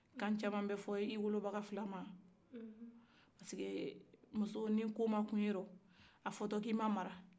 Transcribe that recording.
fen caman bɛ fɔ i wolo baga fila ma sabula muso ni ko ma kun ela a bɛ fɔ k'i ma mara